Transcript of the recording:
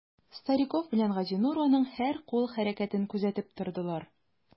Стариков белән Газинур аның һәр кул хәрәкәтен күзәтеп тордылар.